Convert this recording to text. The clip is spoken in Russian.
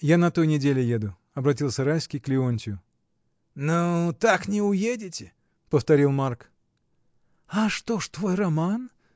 я на той неделе еду, — обратился Райский к Леонтью. — Ну так не уедете! — повторил Марк. — А что ж твой роман?